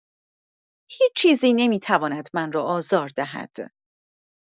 هیچ‌چیزی نمی‌تواند من را آزار دهد.